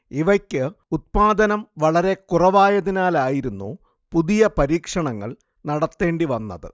ഇവക്ക് ഉത്പാദനം വളരെക്കുറവായതിനാലായിരുന്നു പുതിയ പരീക്ഷണങ്ങൾ നടത്തേണ്ടി വന്നത്